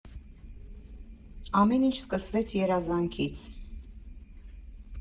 Ամեն ինչ սկսվեց երազանքից։